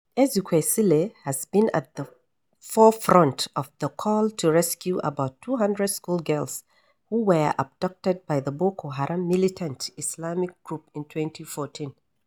Ezekwesili has been at the forefront of the call to rescue about 200 school girls who were abducted by the Boko Haram militant Islamic group in 2014.